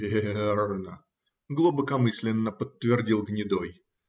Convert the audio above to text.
– Верно, – глубокомысленно подтвердил гнедой.